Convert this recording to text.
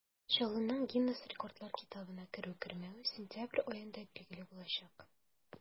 Чаллының Гиннес рекордлар китабына керү-кермәве сентябрь аенда билгеле булачак.